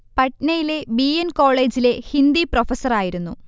പട്നയിലെ B. N കോളേജിലെ ഹിന്ദി പ്രൊഫസ്സറായിരുന്നു